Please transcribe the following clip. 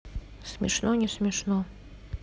смешно не смешно